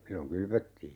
silloin kylvettiin